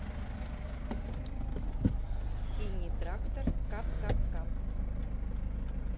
синий трактор кап кап кап